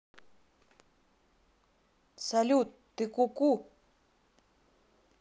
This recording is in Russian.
салют ты ку ку